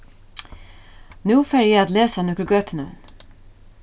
nú fari eg at lesa nøkur gøtunøvn